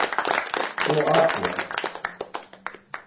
kroatia